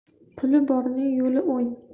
puli borning yo'li o'ng